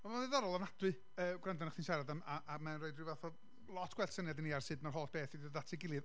Wel, mae'n ddiddorol ofnadwy yy gwrando arna chdi'n siarad am, a, a mae'n roi ryw fath o, lot gwell syniad i ni ar sut mae'r holl beth 'di dod at ei gilydd.